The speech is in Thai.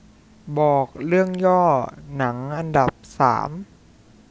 บอกเรื่องย่อหนังอันดับสาม